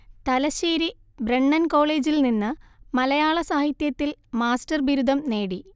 Thalassery Brennan കോളേജിൽ നിന്ന് മലയാള സാഹിത്യത്തിൽ മാസ്റ്റർ ബിരുദം നേടി